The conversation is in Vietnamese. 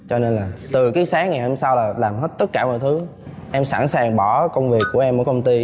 cho nên là từ cái sáng ngày hôm sau là làm hết tất cả mọi thứ em sẵn sàng bỏ công việc của em ở công ty